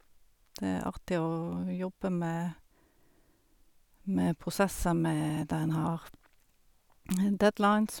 Det er artig å jobbe med med prosesser med der en har deadlines.